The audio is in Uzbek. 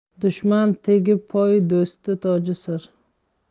dushman tegi poy do'st toji sir